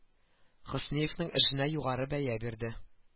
Хөсниевның эшенә югары бәя бирде